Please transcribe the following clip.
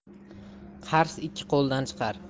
qars ikki qo'ldan chiqar